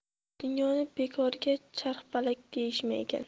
dunyoni bekorga charxpalak deyishmagan